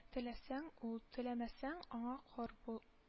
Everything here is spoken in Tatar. Теләсәң — үл, теләмәсәң — аңа кор бул